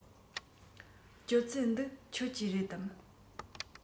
ཅོག ཙེ འདི ཁྱོད ཀྱི རེད དམ